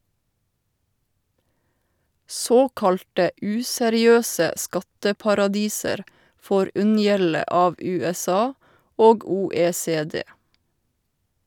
Såkalte useriøse skatteparadiser får unngjelde av USA og OECD.